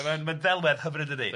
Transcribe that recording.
a mae'n mae'n ddelwedd hyfryd yndydi?